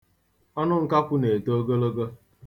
Ọnụ nkakwụ na-eto ogologo.